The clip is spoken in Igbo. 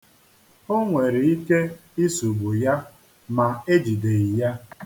O nwere ike isugbu ya ma e jideghi ya.